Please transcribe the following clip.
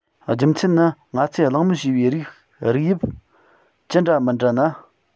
རྒྱུ མཚན ནི ང ཚོས གླེང མོལ བྱས པའི རིགས དབྱིབས ཅི འདྲ མི འདྲ ན